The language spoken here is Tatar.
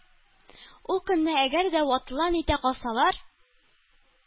Ул көнне әгәр дә ватыла-нитә калсалар,